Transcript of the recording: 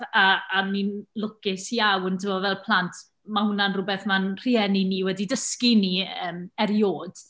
A a ni'n lwcus iawn, timod, fel plant ma; hwnna'n rhywbeth mae'n rhieni ni wedi dysgu ni yn erioed.